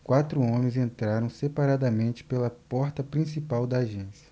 quatro homens entraram separadamente pela porta principal da agência